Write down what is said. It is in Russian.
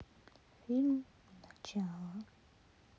фильм начало